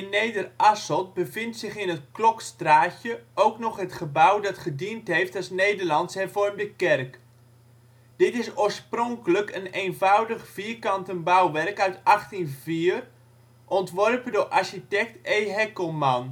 Nederasselt bevindt zich in het Klokstraatje het gebouw dat gediend heeft als Nederlands Hervormde Kerk. Dit is oorspronkelijk een eenvoudig vierkant bouwwerk uit 1804, ontworpen door architect E. Hekkelman. De